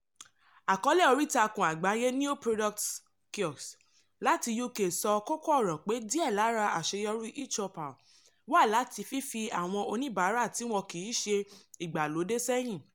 Àkọọ́lẹ̀ oríìtakùn àgbáyé NeoProducts Kiosks, láti UK, sọ kókó-ọ̀rọ̀ pé díẹ̀ lára àṣeyọrí eChoupal wá láti fífi àwọn oníbàárà tí wọ́n kìí ṣe ìgbàlódé sẹ́yìn.